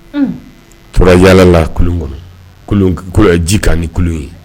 Unh tora yaala la kulun kɔnɔ kulun k ɛɛ ji ka ni kulun ye